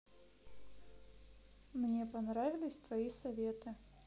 мне понравились твои советы